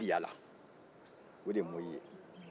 ko a tigiyala o de moyi ye